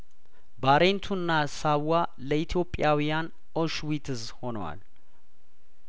ባሬንቱና ሳዋ ለኢትዮጵያውያን ኦሽዊትዝ ሆነዋል